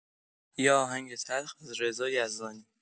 یه آهنگ تلخ از رضا یزدانی